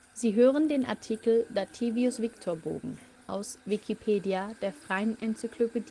Sie hören den Artikel Dativius-Victor-Bogen, aus Wikipedia, der freien Enzyklopädie